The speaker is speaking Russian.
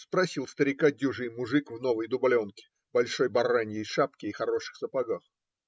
- спросил старика дюжий мужик в новой дубленке, большой бараньей шапке и хороших сапогах.